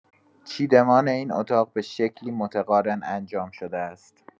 چیدمان این اتاق به شکلی متقارن انجام شده است.